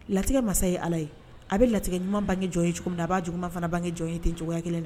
Latigɛ masa ye ala ye a bɛ latigɛ ɲumanuma bange jɔn ye cogo min na a'a juguuma fana bange jɔn ye ten cogoya kelen na